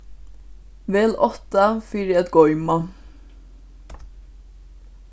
vel átta fyri at goyma